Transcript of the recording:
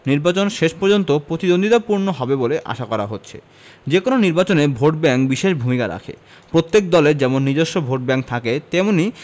নির্বাচন শেষ পর্যন্ত প্রতিদ্বন্দ্বিতাপূর্ণ হবে বলে আশা করা হচ্ছে যেকোনো নির্বাচনে ভোটব্যাংক বিশেষ ভূমিকা রাখে প্রত্যেক দলের যেমন নিজস্ব ভোটব্যাংক থাকে তেমনি